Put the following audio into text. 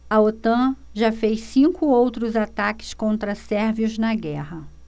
a otan já fez cinco outros ataques contra sérvios na guerra